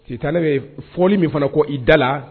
Si taa ne bɛ fɔli min fana ko i dala